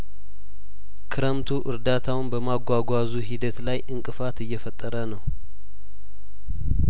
ክረምቱ እርዳታውን በማጓጓዙ ሂደት ላይ እንቅፋት እየፈጠረ ነው